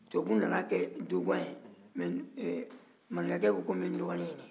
tubabu nana a kɛ dogɔn nka maninkakɛ ko n bɛ n dɔgɔnin ɲini